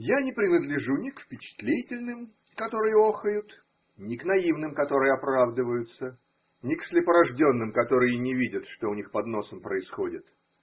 Я не принадлежу ни к впечатлительным, которые охают, ни к наивным, которые оправдываются, ни к слепорожденным, которые не видят, что у них под носом происходит.